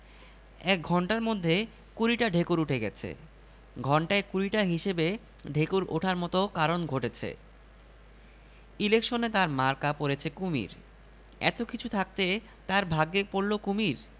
এক ঘণ্টার মধ্যে কুড়িটা ঢেকুর ওঠে গেছে ঘণ্টায় কুড়িটা হিসেবে ঢেকুর ওঠার মত কারণ ঘটেছে ইলেকশনে তাঁর মার্কা পড়েছে কুমীর এত কিছু থাকতে তাঁর ভাগ্যে পড়ল কুমীর